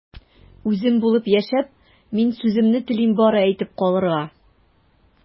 Үзем булып яшәп, мин сүземне телим бары әйтеп калырга...